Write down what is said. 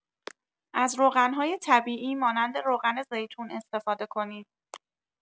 از روغن‌های طبیعی مانند روغن‌زیتون استفاده کنید.